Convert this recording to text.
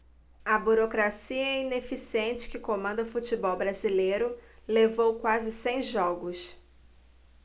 a burocracia ineficiente que comanda o futebol brasileiro levou quase cem jogos